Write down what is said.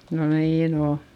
no niin on